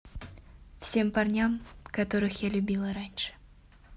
всем парням которых я любила раньше